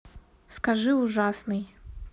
скажи ужасный